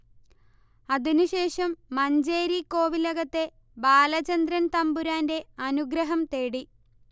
അതിനുശേഷം മഞ്ചേരി കോവിലകത്തെ ബാലചന്ദ്രൻ തന്പുരാൻറെ അനുഗ്രഹം തേടി